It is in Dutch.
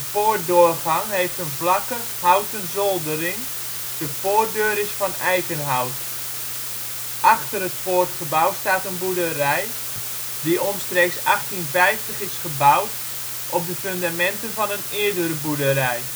poortdoorgang heeft een vlakke, houten zoldering. De poortdeur is van eikenhout. Achter het poortgebouw staat een boerderij, die omstreeks 1850 is gebouwd op de fundamenten van eerdere boerderij